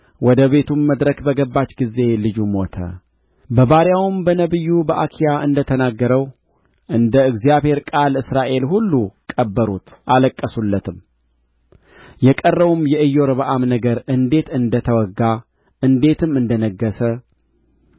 ወደ ቤቱም መድረክ በገባች ጊዜ ልጁ ሞተ በባሪያውም በነቢዩ በአኪያ እንደ ተነገረው እንደ እግዚአብሔር ቃል እስራኤል ሁሉ ቀበሩት አለቀሱለትም የቀረውም የኢዮርብዓም ነገር እንዴት እንደ ተዋጋ እንዴትም እንደ ነገሠ